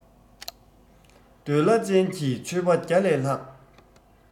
འདོད ལ ཅན གྱི ཆོས པ བརྒྱ ལ ལྷག